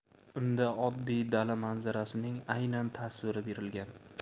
unda oddiy dala manzarasining aynan tasviri berilgan